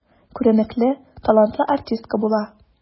Күренекле, талантлы артистка була.